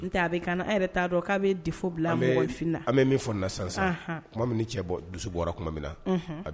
N a yɛrɛ'a dɔn k'a bɛ difo bilamɔgɔfin an bɛ min fɔ na sisan sisan tuma min cɛ bɔ dusu bɔra tuma min na